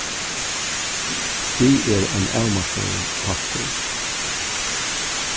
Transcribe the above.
stig er ein avmarkaður partur